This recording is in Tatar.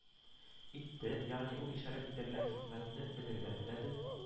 Итте, ягъни ул ишарәт ителгән хикмәтне белергә теләде